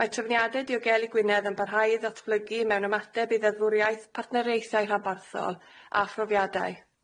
Mae trefniade diogelu Gwynedd yn barhau i ddatblygu mewn ymateb i ddeddfwriaeth partneriaethau rhabarthol a phrofiadau.